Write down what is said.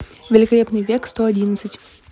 великолепный век сто одиннадцать